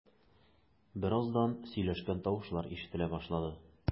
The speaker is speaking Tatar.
Бераздан сөйләшкән тавышлар ишетелә башлады.